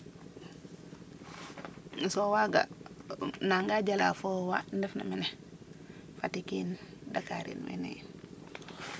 so waga nanga jala fo wa ndef na mene Fatick in Dackar in wene yin